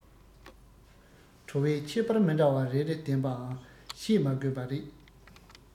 བྲོ བའི ཁྱད པར མི འདྲ བ རེ རེ ལྡན པའང བཤད མ དགོས པ རེད